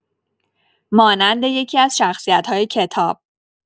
مانند یکی‌از شخصیت‌های کتاب.